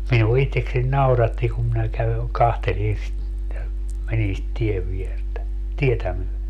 minua itsekseni nauratti kun minä käyn katselin sitä menin sitä tien viertä tietä myöden